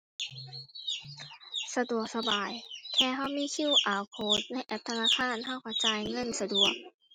สะดวกสบาย แค่เรามี QR code ในแอปธนาคาร เราเราจ่ายเงินสะดวก